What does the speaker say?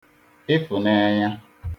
ịfụ̀neenya